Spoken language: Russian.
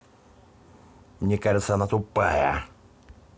мне кажется она тупая